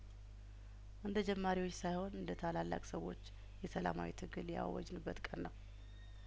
እንደ ጀማሪዎች ሳይሆን እንደታላላቅ ሰዎች የሰላማዊ ትግል ያወጅንበት ቀን ነው